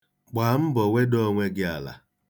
Gbaa mbọ weda onwe gị ala.